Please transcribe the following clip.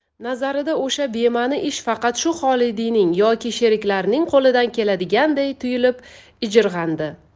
nazarida o'sha bema'ni ish faqat shu xolidiyning yoki sheriklarining qo'lidan keladiganday tuyulib ijirg'andi